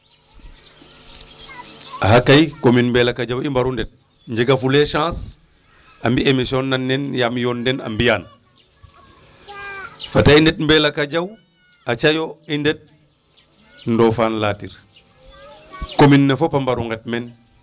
Axa kay commume Mbelakajaw i mbaru ndet njegafule chance a mbi' émission nand neen yaam yoon den a mbi'aan fat i ndet Mbelakadiaw aca yo i ndet Ndofane latir commune :fraa mbara nget meen.